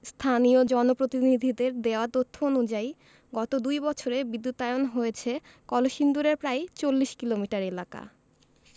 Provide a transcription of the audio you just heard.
স্থানীয় জনপ্রতিনিধিদের দেওয়া তথ্য অনুযায়ী গত দুই বছরে বিদ্যুতায়ন হয়েছে কলসিন্দুরের প্রায় ৪০ কিলোমিটার এলাকা